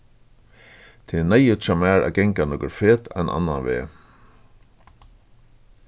tað er neyðugt hjá mær at ganga nøkur fet ein annan veg